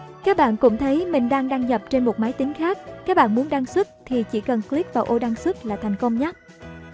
các bạn cũng thấy mình đang đăng nhập trên một máy tính khác các bạn muốn đăng xuất chỉ cần kích vào ô đăng xuất là thành công nhé